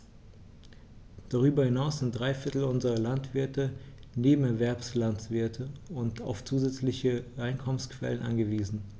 Darüber hinaus sind drei Viertel unserer Landwirte Nebenerwerbslandwirte und auf zusätzliche Einkommensquellen angewiesen.